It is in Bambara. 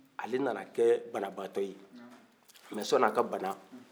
ale na na kɛ banabaatɔ ye mɛ sani a ka bana